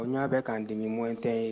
O ɲɔ bɛ'an dimi mɔn tɛ ye